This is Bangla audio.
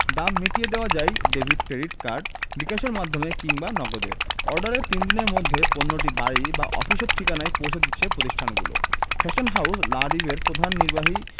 দাম মিটিয়ে দেওয়া যায় ডেভিড ক্রেডিট কার্ড বিকাশের মাধ্যমে কিংবা নগদে অর্ডারের তিন দিনের মধ্যে পণ্যটি বাড়ি বা অফিসের ঠিকানায় পৌঁছে দিচ্ছে প্রতিষ্ঠানগুলো ফ্যাশন হাউস লা রিবের প্রধান নির্বাহী